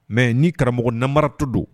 Mɛ ni karamɔgɔ namara to don